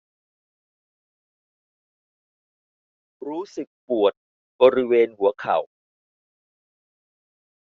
รู้สึกปวดบริเวณหัวเข่า